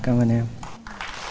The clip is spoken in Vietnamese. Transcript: cám ơn em